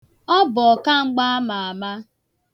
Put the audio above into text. Ọ bụ ọkamgba ama ama.